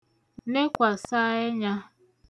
nekwàsa ẹnyā